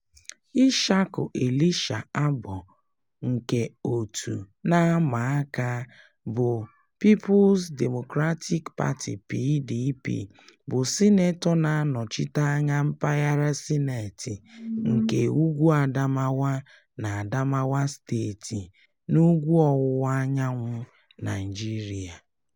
Ishaku Elisha Abbo nke òtù na-ama aka bụ People's Democratic Party (PDP) bụ sinetọ na-anọchite anya Mpaghara Sineeti nke Ugwu Adamawa n'Adamawa Steeti, n'ugwu ọwụwaanyanwụ Naịjirịa.